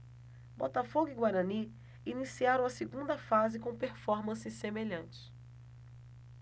botafogo e guarani iniciaram a segunda fase com performances semelhantes